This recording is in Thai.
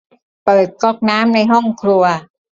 เปิดก๊อกน้ำในห้องครัว